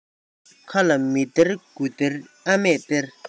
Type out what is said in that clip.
ཁ ལ མི སྟེར དགུ སྟེར ཨ མས སྟེར